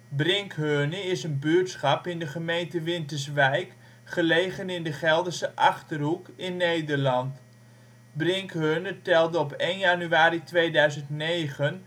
Brinkheurne is een buurtschap in de gemeente Winterswijk gelegen in de Gelderse Achterhoek, in Nederland. Brinkheurne telde op 1 januari 2009 257